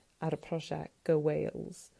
ar y prosiect Go Wales